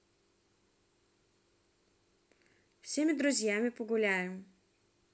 всеми друзьями погуляем